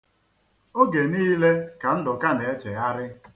Oge niile ka Ndụka na-echegharị.